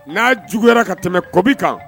N'a juguyayara ka tɛmɛ kɔbi kan